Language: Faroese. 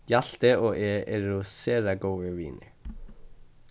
hjalti og eg eru sera góðir vinir